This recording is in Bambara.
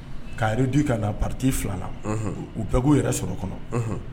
Ka réduit ka na partie fila la. Unhun. U bɛɛ k'u yɛrɛ sɔrɔ o kɔnɔ Unhun